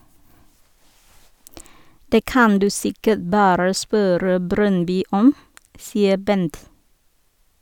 Det kan du sikkert bare spørre Brøndby om, sier Bent.